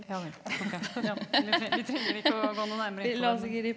javel ok ja vi vi trenger ikke å gå noe nærmere inn på det men.